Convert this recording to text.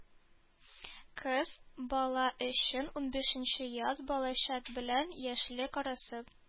Кыз бала өчен унбишенче яз балачак белән яшьлек арасы.